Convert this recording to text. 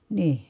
niin